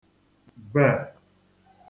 bè